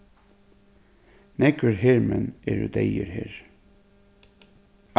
nógvir hermenn eru deyðir her